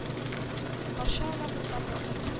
Каршы ала котлап батырны